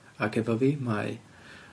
Ac efo fi mae ...